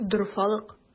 Дорфалык!